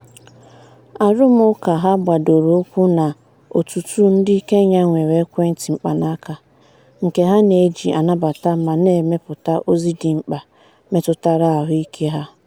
Arụmụụka ha gbadoro ụkwụ na ọtụtụ ndị Kenya nwere ekwentị mpanaaka, nke ha na-eji anabata ma na-emepụta ozi dị mkpa metụtara ahụike ha.